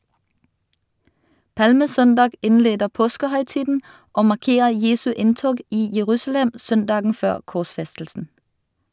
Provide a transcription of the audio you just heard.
Palmesøndag innleder påskehøytiden og markerer Jesu inntog i Jerusalem søndagen før korsfestelsen.